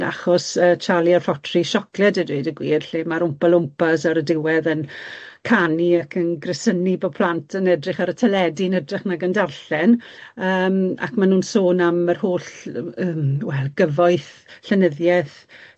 achos yy Charlie a'r Ffatri Siocled a dweud y gwir lle ma'r Wmpa Lwmpas ar y diwedd yn canu ac yn gresynu bo' plant yn edrych ar y teledu yn ytrach nag yn darllen yym ac ma' nw'n sôn am yr holl yym wel gyfoeth llenyddieth